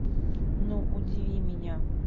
ну удиви меня